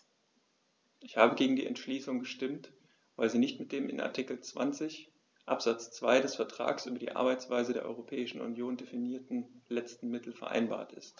Ich habe gegen die Entschließung gestimmt, weil sie nicht mit dem in Artikel 20 Absatz 2 des Vertrags über die Arbeitsweise der Europäischen Union definierten letzten Mittel vereinbar ist.